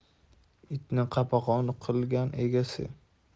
itni qopag'on qilgan egasi